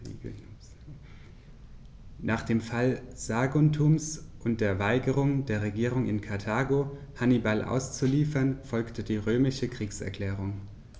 Nach dem Fall Saguntums und der Weigerung der Regierung in Karthago, Hannibal auszuliefern, folgte die römische Kriegserklärung.